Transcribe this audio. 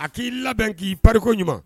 A k'i labɛn k'i pari koɲuman.